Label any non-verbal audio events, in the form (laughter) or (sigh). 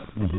(hesitation) (hesitation)